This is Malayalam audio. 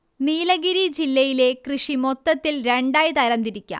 നീലഗിരി ജില്ലയിലെ കൃഷി മൊത്തത്തിൽ രണ്ടായി തരം തിരിക്കാം